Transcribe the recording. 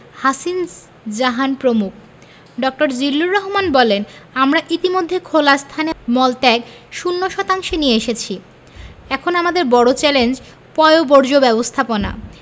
হাসিন জাহান প্রমুখ ড. বলেন জিল্লুর রহমান আমরা ইতিমধ্যে খোলা স্থানে মলত্যাগ শূন্য শতাংশে নিয়ে এসেছি এখন আমাদের বড় চ্যালেঞ্জ পয়ঃবর্জ্য ব্যবস্থাপনা